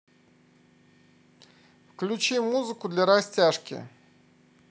включи музыку для растяжки